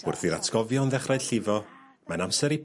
Wrth i'r atgofion ddechrau llifo mae'n amser i...